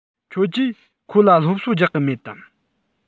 ཁྱོད ཀྱིས ཁོ ལ སློབ གསོ རྒྱག གི མེད དམ